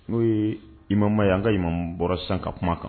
N'o ye IMAMA ye an ka imamu bɔra sisan ka kuma kan